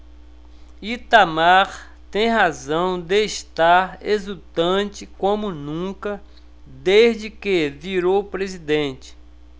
itamar tem razão de estar exultante como nunca desde que virou presidente